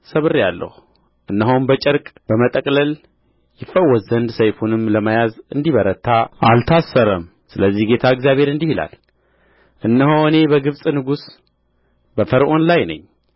ሰብሬያለሁ እነሆም በጨርቅ በመጠቅለል ይፈወስ ዘንድ ሰይፉንም ለመያዝ እንዲበረታ አልታሰረም ስለዚህ ጌታ እግዚአብሔር እንዲህ ይላል እነሆ እኔ በግብጽ ንጉሥ በፈርዖን ላይ ነኝ